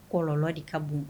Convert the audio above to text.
Kɔlɔnlɔ de ka bon